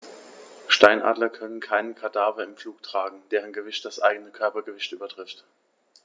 Steinadler können keine Kadaver im Flug tragen, deren Gewicht das eigene Körpergewicht übertrifft.